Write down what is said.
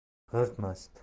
g'irt mast